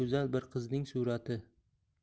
go'zal bir qizning surati